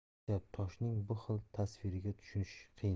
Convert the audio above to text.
ajab toshning bu xil tasviriga tushunish qiyin